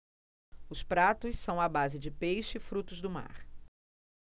os pratos são à base de peixe e frutos do mar